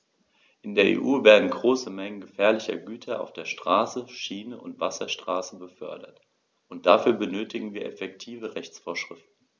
In der EU werden große Mengen gefährlicher Güter auf der Straße, Schiene und Wasserstraße befördert, und dafür benötigen wir effektive Rechtsvorschriften.